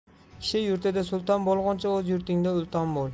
kishi yurtida sulton bo'lguncha o'z yurtingda ulton bo'l